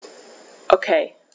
Okay.